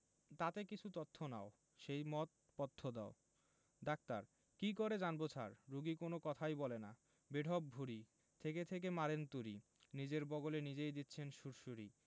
তাতে কিছু তথ্য নাও সেই মত পথ্য দাও ডাক্তার কি করে জানব স্যার রোগী কোন কথাই বলে না বেঢপ ভূঁড়ি থেকে থেকে মারেন তুড়ি নিজের বগলে নিজেই দিচ্ছেন সুড়সুড়ি